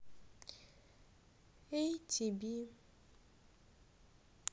эй ти би